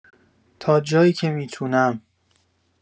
تا جایی که می‌تونم